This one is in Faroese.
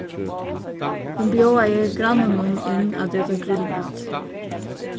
hon bjóðaði grannanum inn at eta grillmat